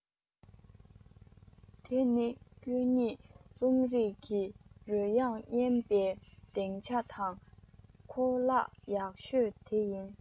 དེ ནི ཁྱོད ཉིད རྩོམ རིག གི རོལ དབྱངས ཉན པའི གདེང ཆ དང ཁོ ལག ཡག ཤོས དེ ཡིན